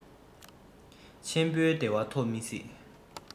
ཆེན པོའི བདེ བ ཐོབ མི སྲིད